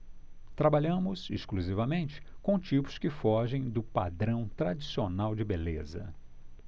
trabalhamos exclusivamente com tipos que fogem do padrão tradicional de beleza